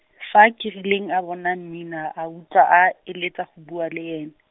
fa Kerileng a bona Mmina a utlwa a, eletsa go bua le ene.